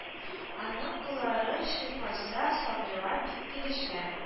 Аның куллары шифасы сабыйга бик килешә